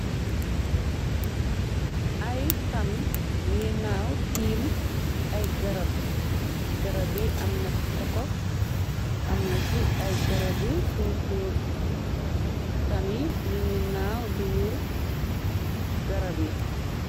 Ay tan yuy naaw tiim ay garab garab yi am na ci kokox am na ci ay garab yi tuntuur tani ñu ngi naaw di wër garab yi.